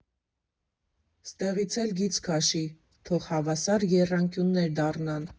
«Ստեղից էլ գիծ քաշի, թող հավասար եռանկյուններ դառնան»